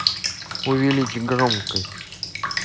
увеличь громкость